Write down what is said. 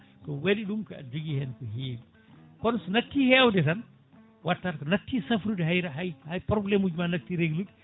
ko waɗi ɗum kaɗa jogui hen ko hewi kono sa natti hewde tan watta ko natti safrude hay hay probléme uji ma natti reglude